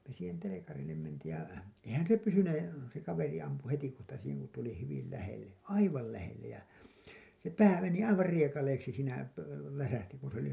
me siihen telkarille mentiin ja eihän se pysyneet se kaveri ampui heti kohta siihen kun tuli hyvin lähelle aivan lähelle ja se pää meni aivan riekaleiksi siinä - läsähti kun se löi